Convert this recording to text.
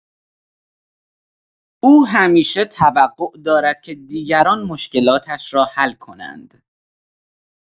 او همیشه توقع دارد که دیگران مشکلاتش را حل کنند.